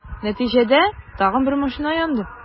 Нәтиҗәдә, тагын бер машина янды.